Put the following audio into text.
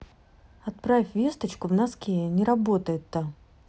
отправь весточку в носке не работает то